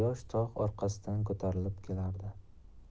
orqasidan ko'tarilib kelardi